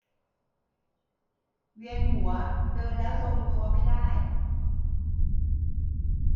เวียนหัวเดินแล้วทรงตัวไม่ได้